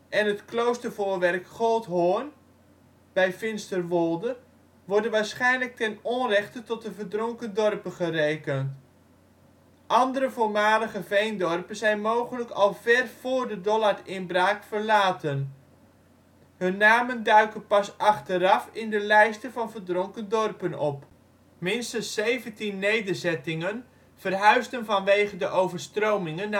en het kloostervoorwerk Goldhoorn (bij Finsterwolde) worden waarschijnlijk ten onrechte tot de verdronken dorpen gerekend. Andere voormalige veendorpen zijn mogelijk al ver vóór de Dollardinbraak verlaten; hun namen duiken pas achteraf in de lijsten van verdronken dorpen op. Minstens zeventien nederzettingen verhuisden vanwege de overstromingen